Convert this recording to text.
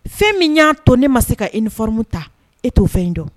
Fɛn min y'a tɔ ne ma se ka i nifamu ta e t'o fɛn in dɔn